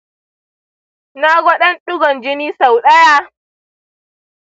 na ga ɗan ɗigon jini sau ɗaya.